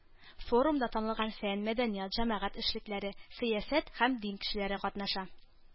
Форумда танылган фән, мәдәният, җәмәгать эшлекләре, сәясәт һәм дин кешеләре катнаша.